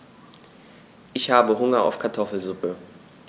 Ich habe Hunger auf Kartoffelsuppe.